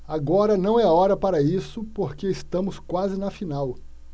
agora não é hora para isso porque estamos quase na final